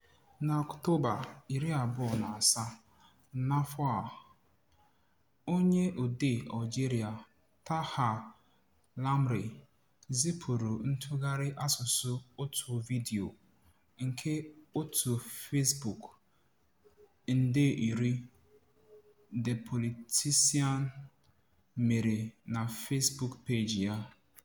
Na Ọktoba 27 n'afọ a, onye odee Algeria Tahar Lamri [en] zipụrụ ntụgharị asụsụ otu vidiyo [ar] nke òtù Facebook 10 Millions de Politiciens [ar, fr] mere na Facebook peeji ya.